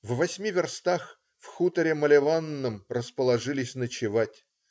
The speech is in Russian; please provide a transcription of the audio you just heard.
В восьми верстах, в хуторе Малеванном расположились ночевать.